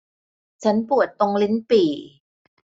ฉันปวดตรงลิ้นปี่